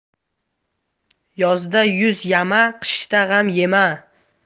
yozda yuz yama qishda g'am yema